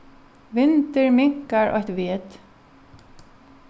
vindur minkar eitt vet